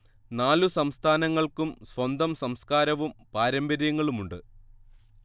നാലു സംസ്ഥാനങ്ങൾക്കും സ്വന്തം സംസ്കാരവും പാരമ്പര്യങ്ങളുമുണ്ട്